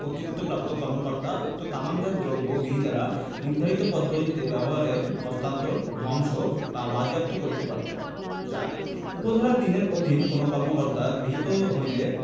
কর্তৃত্বপ্রাপ্ত কর্মকর্তা উক্ত তামাকজাত দ্রব্য বিধি দ্বারা নির্ধারিত পদ্ধতিতে ব্যবহার হস্তান্তর ধ্বংস বা বাজেয়াপ্ত কিরতে পারিবেন ৪ উপ ধারা ৩ এর অধীন কোন কার্যক্রম গৃহীত হইলে